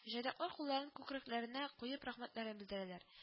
Җайдаклар кулларын күкрәкләренә куеп рәхмәтләрен белдерәләр